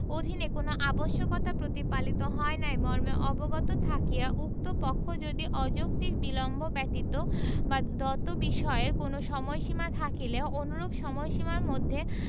অধীন কোন আবশ্যকতা প্রতিপালিত হয় নাই মর্মে অবগত থাকিয়া উক্ত পক্ষ যদি অযৌক্তিক বিলম্ব ব্যতীত বা দতবিষয়ে কোন সময়সীমা থাকিলে অনুরূপ সময়সীমার মধ্যে